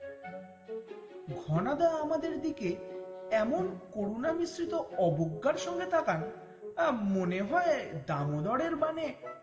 ঘনাদা আমাদের দিকে এমন করুণা মিশ্রিত অবজ্ঞার সঙ্গে তাকান মনে হয় দামোদরের বাণে